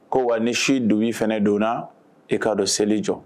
Ko wa ni su dibi fɛnɛ don na , i ka dɔn seli jɔ.